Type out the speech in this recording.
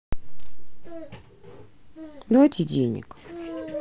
дайте денег